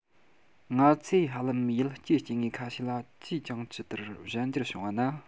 ང ཚོས ཧ ལམ ཡུལ སྐྱེས སྐྱེ དངོས ཁ ཤས ལ ཅིས ཀྱང ཇི ལྟར གཞན འགྱུར བྱུང བ ན